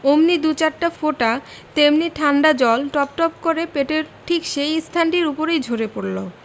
অমনি দু চার ফোঁটা তেমনি ঠাণ্ডা জল টপটপ টপটপ কর পেটের ঠিক সেই স্থানটির উপরেই ঝরে পড়ল